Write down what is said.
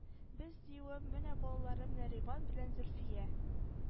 Без диюем менә балаларым нәриман белән зөлфия